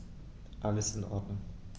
Alles in Ordnung.